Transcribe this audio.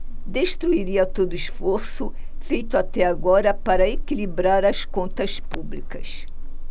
destruiria todo esforço feito até agora para equilibrar as contas públicas